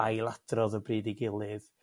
Ailadrodd o bryd i gilydd.